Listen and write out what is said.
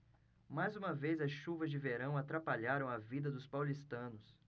mais uma vez as chuvas de verão atrapalharam a vida dos paulistanos